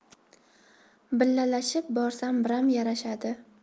billalashib borsam biram yarashadi